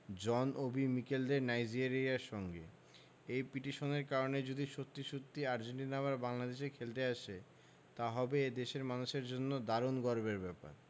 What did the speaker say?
জন Obi মিকেলদের নাইজেরিয়ার সঙ্গে এই পিটিশনের কারণে যদি সত্যি সত্যিই আর্জেন্টিনা আবার বাংলাদেশে খেলতে আসে তা হবে এ দেশের মানুষের জন্য দারুণ গর্বের ব্যাপার